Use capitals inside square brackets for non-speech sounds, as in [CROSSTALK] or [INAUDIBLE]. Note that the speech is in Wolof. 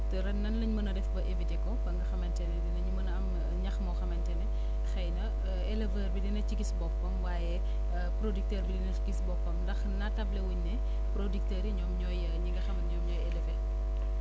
te ren nan la ñu mën a def ba éviter ko ba nga xamante ne dinañ mën a am ñax moo xamante ne [BREATH] xëy na [HESITATION] éleveur bi dina ci gis boppam waaye [HESITATION] producteur bi dina ci gis boppam ndax naatable wuñ ne producteurs yi ñoom ñooy ñi nga xam ñoom ñooy élever